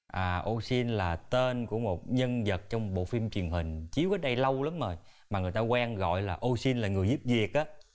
à ô sin là tên của một nhân vật trong bộ phim truyền hình chiếu ở đây lâu lắm rồi mà người ta quen gọi là ô sin là người giúp việc á